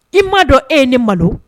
I m ma dɔn e ye ne malo